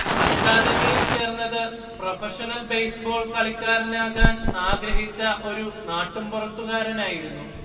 അക്കാദമിയിൽ ചേർന്നത് professional baseball കളിക്കാരനാകാൻ ആഗ്രഹിച്ച ഒരു നാട്ടുമ്പുറത്തുകാരനായിരുന്നു